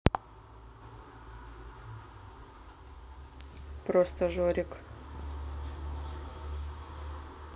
просто жорик